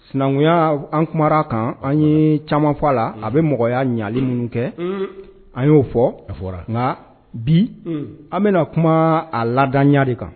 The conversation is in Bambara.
Sinankuya an kumara a kan an ye caman fɔ a la a bɛ mɔgɔya ɲali minnu kɛ an y'o fɔ a fɔra nka bi an bɛna kuma a ladya de kan